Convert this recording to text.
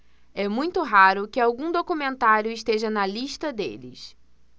é muito raro que algum documentário esteja na lista deles